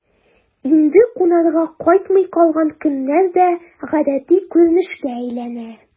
Инде кунарга кайтмый калган көннәр дә гадәти күренешкә әйләнә...